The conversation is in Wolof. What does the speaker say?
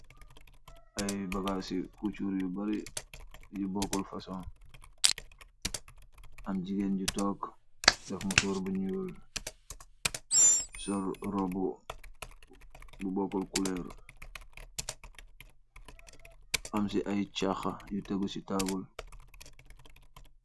Ayy bagas yu couture yu bari yu bokut fosong am jigeen ju tog def musurr bu nuul sul robe bu bogut colur am si ayy cxaxa yu tegu c tabale.